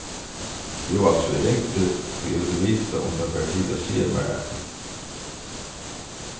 jú altso eg ringdi tí eg vildi vita um tað bar til at siga mær nakað